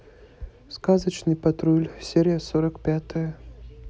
сказочный патруль серия сорок пятая